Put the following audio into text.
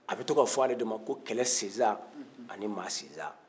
a bɛ to ka f'ale de ma ko kɛlɛ sinsan ani maa sinsan